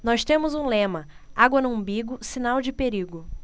nós temos um lema água no umbigo sinal de perigo